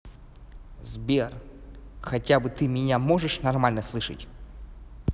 сбер хотя бы ты меня можешь нормально слышать